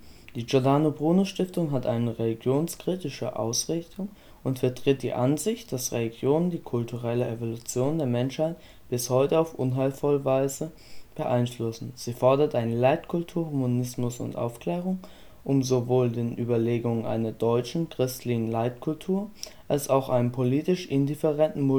Giordano-Bruno-Stiftung hat eine religionskritische Ausrichtung und vertritt die Ansicht, dass Religionen „ die kulturelle Evolution der Menschheit bis heute auf unheilvolle Weise beeinflussen “. Sie fordert eine „ Leitkultur Humanismus und Aufklärung “, um sowohl den Überlegungen einer „ deutschen (christlichen) Leitkultur “als auch einem politisch indifferenten